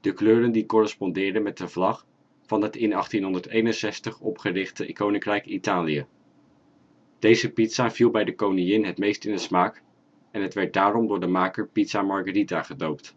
de kleuren die corresponderen met de vlag van het in 1861 opgerichte koninkrijk Italië. Deze pizza viel bij de koningin het meest in de smaak en het werd daarom door de maker pizza Margherita gedoopt.